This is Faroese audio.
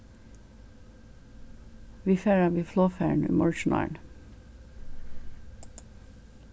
vit fara við flogfarinum í morgin árini